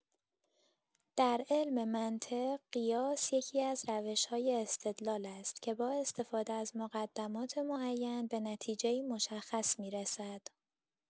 در علم منطق، قیاس یکی‌از روش‌های استدلال است که با استفاده از مقدمات معین به نتیجه‌ای مشخص می‌رسد.